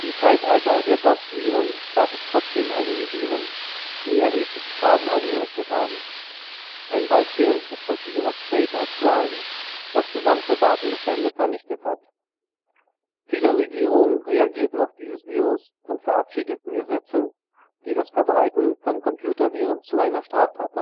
Zeitalter der DOS-Viren gab es trotzdem einige Viren, die erheblichen Schaden angerichtet haben. Ein Beispiel ist das Virus DataCrime, das gesamte Datenbestände vernichtet hat. Viele Regierungen reagierten auf dieses Virus und verabschiedeten Gesetze, die das Verbreiten von Computerviren zu einer Straftat